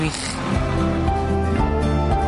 Gwych.